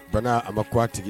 Bana a ma ko tigi